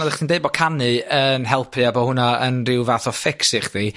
oddach chi'n deud bo' canu yn helpu efo hwnna yn rhyw fath o fix i chdi,